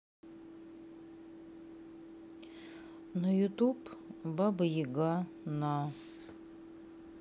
на ютуб баба яга на